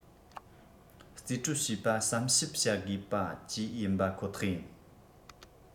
རྩིས སྤྲོད བྱས པ བསམ ཞིབ བྱ དགོས པ བཅས ཡིན པ ཁོ ཐག ཡིན